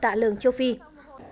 tả lợn châu phi